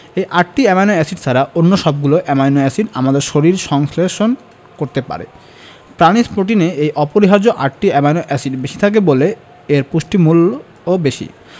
এই আটটি amino acid ছাড়া অন্য সবগুলো অ্যামাইনো এসিড আমাদের শরীর সংশ্লেষ করতে পারে প্রাণিজ প্রোটিনে এই অপরিহার্য আটটি অ্যামাইনো এসিড বেশি থাকে বলে এর পুষ্টিমূল্য বেশি